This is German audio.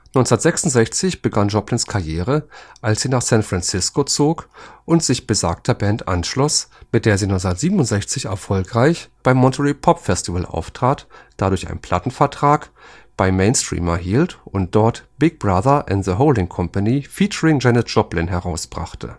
1966 begann Joplins Karriere, als sie nach San Francisco zog und sich besagter Band anschloss, mit der sie 1967 erfolgreich beim Monterey Pop Festival auftrat, dadurch einen Plattenvertrag bei Mainstream erhielt und dort Big Brother & The Holding Company Featuring Janis Joplin herausbrachte